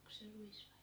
onkos se ruis vai